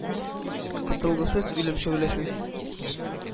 Котылгысыз үлем шәүләсен.